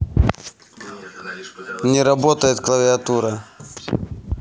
не работает клавиатура